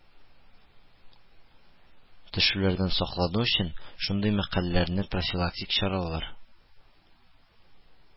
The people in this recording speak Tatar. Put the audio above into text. Төшүләрдән саклану өчен, шундый мәкальләрне профилактик чаралар